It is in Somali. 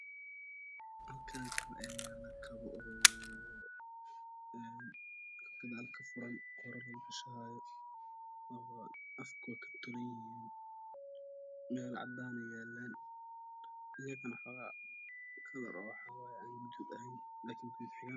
Halkaan kapo ayaa yala kaba oo gadaal kafuran hora loo gishanayo afka wey ka to lanyihiin meel cadaanii yaalan kalar oo waxaa wayo ana guduud eheen laa kiin kuduud xigeena ah